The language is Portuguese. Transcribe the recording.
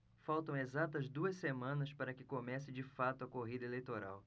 faltam exatas duas semanas para que comece de fato a corrida eleitoral